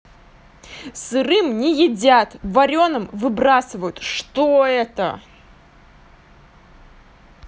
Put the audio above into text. сырым не едят вареным выбрасывают что это